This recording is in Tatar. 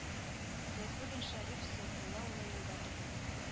Сәйфуллин шәриф сәйфулла улы елда туган